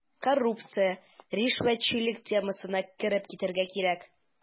Коррупция, ришвәтчелек темасына кереп китәргә кирәк.